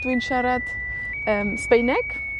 Dwi'n siarad yym Sbaeneg.